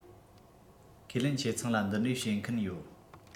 ཁས ལེན ཁྱེད ཚང ལ འདི འདྲའི བྱེད མཁན ཡོད